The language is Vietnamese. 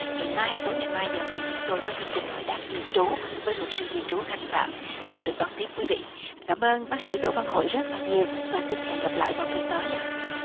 ngày mai tối ngày mai giờ này chúng tôi có chương trình hỏi đáp di trú với luật sư di trú khanh phạm mong được đón tiếp quý vị cảm ơn bác sĩ đỗ văn hội rất là nhiều và xin hẹn gặp lại vào kỳ tới ạ